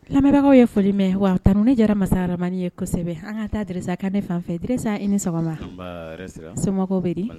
Lamɛnbagaw ye foli mɛn wa taurun ne jɛra masamani ye kosɛbɛ an ka taa d kan ne fanfɛ dsa i ni sɔgɔma somɔgɔw bɛ di